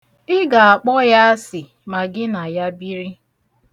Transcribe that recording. I ga-akpọ ya asị ma gị na ya biri.